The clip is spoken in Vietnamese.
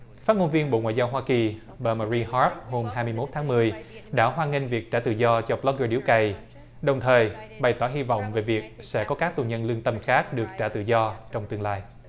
phát ngôn viên bộ ngoại giao hoa kỳ bà mờ ri hót hôm hai mươi mốt tháng mười đã hoan nghênh việc trả tự do cho bờ lốc gơ điếu cày đồng thời bày tỏ hy vọng về việc sẽ có các tù nhân lương tâm khác được trả tự do trong tương lai